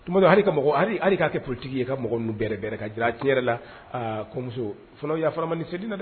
Tuma kɛ porotigi ye ka mɔgɔ bɛɛrɛ ka jira lamuso fana man se dɛ